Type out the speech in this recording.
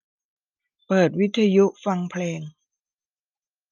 เปิดวิทยุฟังเพลง